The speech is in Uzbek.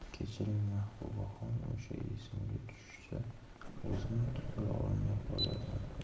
kechiring mahbubaxon o'sha esimga tushsa o'zimni tuta olmay qolyapman